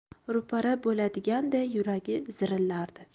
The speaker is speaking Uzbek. ro'para bo'ladiganday yuragi zirillardi